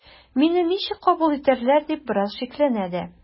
“мине ничек кабул итәрләр” дип бераз шикләнә дә.